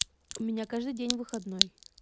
у меня каждый день выходной